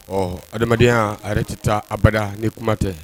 Ɔ adamadenya a yɛrɛ tɛ taa abada ni kuma tɛ.